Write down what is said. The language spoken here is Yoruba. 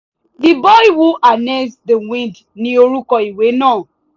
The Boy Who Harnessed the Wind ni orúkọ ìwé náà.